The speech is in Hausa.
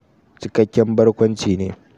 Cikakken barkwanci ne.